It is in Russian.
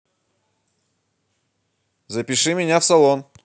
запиши меня в салон